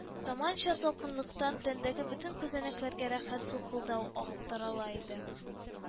Таманча салкынлыктан тәндәге бөтен күзәнәкләргә рәхәт сулкылдау ак тарала иде